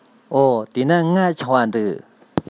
འོ དེས ན ང ཆུང བ འདུག